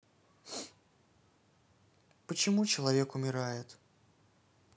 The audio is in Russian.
почему человек умирает